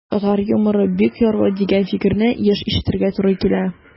Татар юморы бик ярлы, дигән фикерне еш ишетергә туры килә.